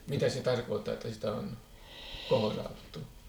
mitä se tarkoittaa että sitä on kohdattu